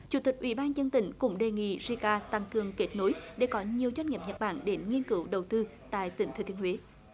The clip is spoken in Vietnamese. chủ tịch ủy ban dân tỉnh cũng đề nghị di ca tăng cường kết nối để có nhiều doanh nghiệp nhật bản đến nghiên cứu đầu tư tại tỉnh thừa thiên huế